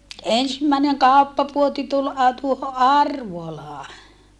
ensimmäinen kauppapuoti tuli - tuohon Arvolaan